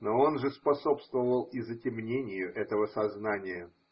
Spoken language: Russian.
но он же способствовал и затемнению этого сознания.